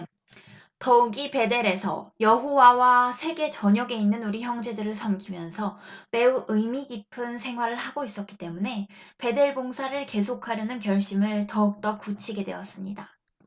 더욱이 베델에서 여호와와 세계 전역에 있는 우리 형제들을 섬기면서 매우 의미 깊은 생활을 하고 있었기 때문에 베델 봉사를 계속하려는 결심을 더욱더 굳히게 되었습니다